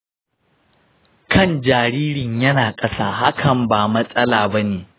kan jaririn yana ƙasa, hakan ba matsala bane.